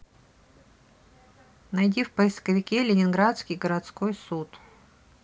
найди в поисковике ленинградский городской суд